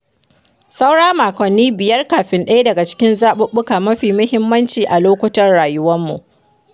“Saura makonni biyar kafin ɗaya daga cikin zaɓuɓɓuka mafi muhimmanci a lokutan rayuwarmu.